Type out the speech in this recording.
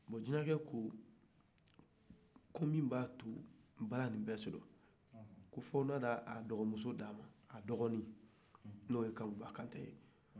bon jinace ko n'a b'a fɛ ka bala ni sɔrɔ ko f'a ka dɔgɔmuso di a ma ni o ye kankuba kante ye